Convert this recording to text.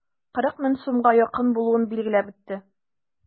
40 мең сумга якын булуын билгеләп үтте.